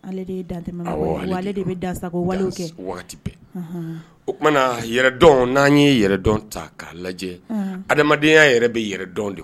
Ale ale de bɛ dasa kɛ o tumana yɛrɛ dɔn n' ye yɛrɛ dɔn ta k'a lajɛ adamadenyaya yɛrɛ bɛ yɛrɛ dɔn de